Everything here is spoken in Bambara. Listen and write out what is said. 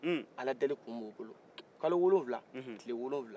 ala deli kun b'u bolo kalo wolowula tile wolowula